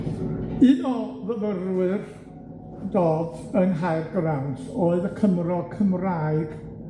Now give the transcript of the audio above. Un o fyfyrwyr Dodd yng Nghaergrawnt oedd y Cymro Cymraeg